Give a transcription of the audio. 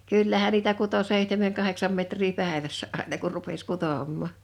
kyllähän niitä kutoi seitsemän kahdeksan metriä päivässä aina kun rupesi kutomaan